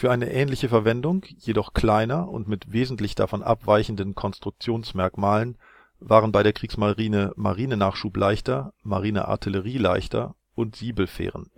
eine ähnliche Verwendung, jedoch kleiner und mit wesentlich davon abweichenden Konstruktionsmerkmalen waren bei der Kriegsmarine Marinenachschubleichter, Marineartillerieleichter und Siebelfähren